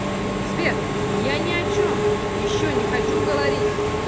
сбер я ни о чем еще не хочу говорить